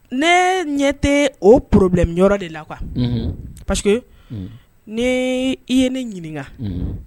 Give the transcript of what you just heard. Ne ɲɛ tɛ o problème yɔrɔ de la , quoi unhu, parce que n'i ye ne ɲininka? Unhun.